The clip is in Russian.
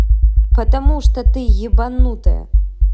потому что ты ебанутая